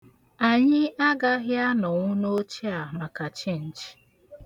Anyị agaghị anọnwu n'oche a maka chịnchịn.